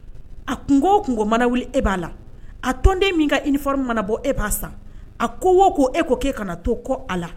A kun ko o kungoko mana wili e b'a la a tonden min ka ifarin mana bɔ e a sa a ko wo k ko e ko ko kana to ko a la